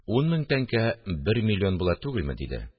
– ун мең тәңкә бер миллион була түгелме? – диде